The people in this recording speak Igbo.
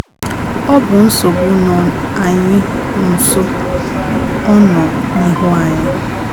Ọ bụ nsogbu nọ anyị nso, ọ nọ n'ihu anyị.